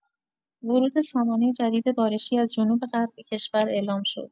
ورود سامانه جدید بارشی از جنوب غرب کشور اعلام شد.